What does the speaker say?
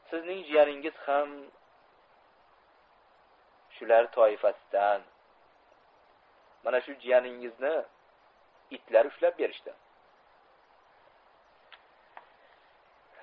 sizning jiyaningizni ham itlar ushlab berishdi